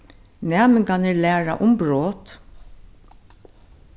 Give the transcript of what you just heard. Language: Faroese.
næmingarnir læra um brot